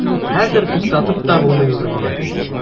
Хәзер туктатып та булмый үзеңне.